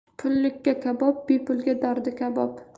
pullikka kabob bepulga dardi kabob